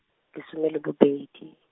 lesome le bobedi.